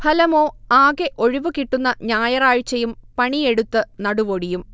ഫലമോ ആകെ ഒഴിവുകിട്ടുന്ന ഞായറാഴ്ചയും പണിയെടുത്ത് നടുവൊടിയും